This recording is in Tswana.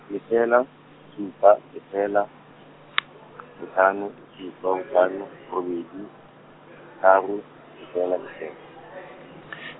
lefela, supa lefela, botlhano, supa botlhano robedi , tharo, lefela lefela .